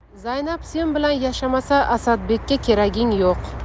zaynab sen bilan yashamasa asadbekka keraging yo'q